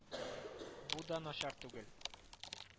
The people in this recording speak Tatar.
Бу да начар түгел